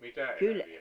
mitä eläviä